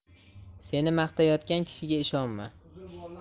seni maqtayotgan kishiga ishonma